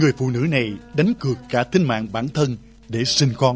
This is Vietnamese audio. người phụ nữ này đánh cược cả tính mạng bản thân để sinh con